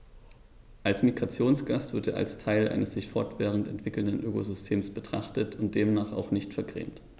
Als Migrationsgast wird er als Teil eines sich fortwährend entwickelnden Ökosystems betrachtet und demnach auch nicht vergrämt.